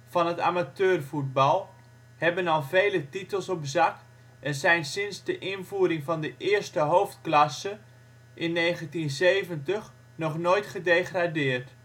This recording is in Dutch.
van het amateurvoetbal, hebben al vele titels op zak en zijn sinds de invoering van de 1e/hoofdklasse in 1970 nog nooit gedegradeerd